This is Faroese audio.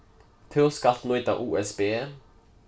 tú skalt nýta usb